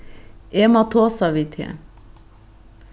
eg má tosa við teg